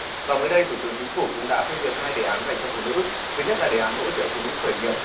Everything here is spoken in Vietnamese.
và mới đây thủ tướng chính phủ cũng đã phê duyệt hai đề án dành cho phụ nữ thứ nhất là đề án hỗ trợ phụ nữ khởi nghiệp